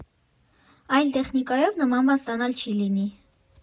Այլ տեխնիկայով նման բան ստանալ չի լինի։